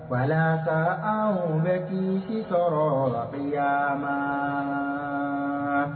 Walasa an mun bɛ jigi si sɔrɔ laya ma